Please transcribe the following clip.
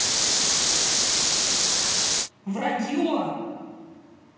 вранье